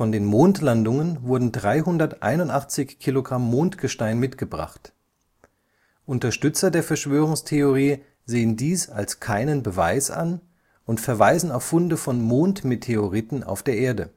den Mondlandungen wurden 381 Kilogramm Mondgestein mitgebracht. Unterstützer der Verschwörungstheorie sehen dies als keinen Beweis an und verweisen auf Funde von Mondmeteoriten auf der Erde